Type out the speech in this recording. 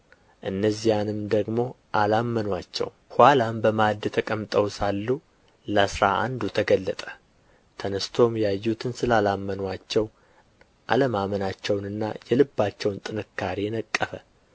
እነዚያንም ደግሞ አላመኑአቸውም ኋላም በማዕድ ተቀምጠው ሳሉ ለአሥራ አንዱ ተገለጠ ተነሥቶም ያዩትን ስላላመኑአቸው አለማመናቸውንና የልባቸውን ጥንካሬ ነቀፈ